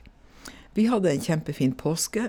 Vi hadde en kjempefin påske.